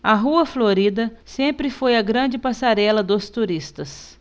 a rua florida sempre foi a grande passarela dos turistas